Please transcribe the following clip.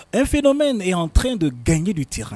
Efi don bɛ t in don gange de tɛ